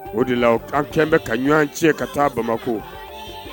O de la an kɛlen bɛ ka ɲɔgɔn tiɲɛ ka taa bamakɔ